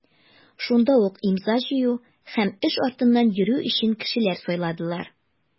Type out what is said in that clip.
Шунда ук имза җыю һәм эш артыннан йөрү өчен кешеләр сайладылар.